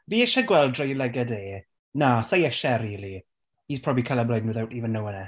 Fi isie gweld trwy ei lygaid e. Na sa i isie rili. He's probably colourblind without even knowing it.